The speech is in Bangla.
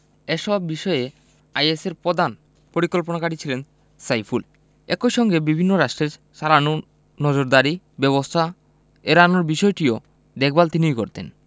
এসব বিষয়ে আইএসের প্রধান পরিকল্পনাকারী ছিলেন সাইফুল একই সঙ্গে বিভিন্ন রাষ্ট্রের চালানো নজরদারি ব্যবস্থা এড়ানোর বিষয়টিও দেখভাল তিনিই করতেন